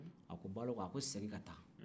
a ko balɔbɔ segin ka taa